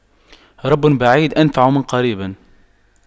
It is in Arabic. رب بعيد أنفع من قريب